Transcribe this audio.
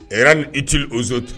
Ɛ ni i ci oso